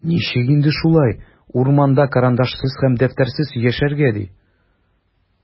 Ничек инде шулай, урманда карандашсыз һәм дәфтәрсез яшәргә, ди?!